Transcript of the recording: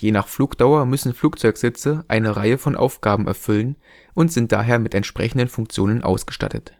nach Flugdauer müssen Flugzeugsitze eine Reihe von Aufgaben erfüllen und sind daher mit entsprechenden Funktionen ausgestattet